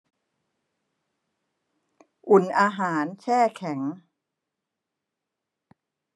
อุ่นอาหารแช่แข็ง